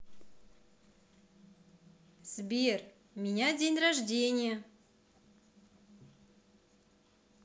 сбер меня день рождения